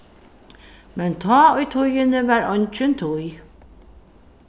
men tá í tíðini var eingin tíð